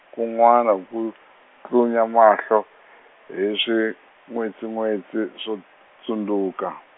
kun'wana ku, tlunya mahlo, hi swin'wetsin'wetsi swo, tsundzuka.